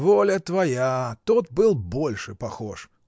— Воля твоя, тот был больше похож!